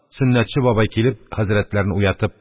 Сөннәтче бабай, килеп, хәзрәтләрне уятып: